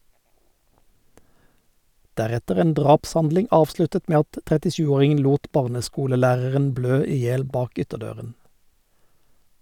Deretter en drapshandling, avsluttet med at 37-åringen lot barneskolelæreren blø i hjel bak ytterdøren.